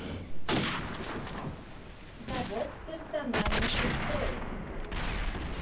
завод персональных устройств